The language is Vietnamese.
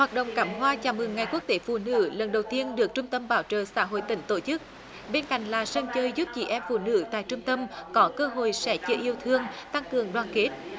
hoạt động cắm hoa chào mừng ngày quốc tế phụ nữ lần đầu tiên được trung tâm bảo trợ xã hội tỉnh tổ chức bên cạnh là sân chơi giúp chị em phụ nữ tại trung tâm có cơ hội sẻ chia yêu thương tăng cường đoàn kết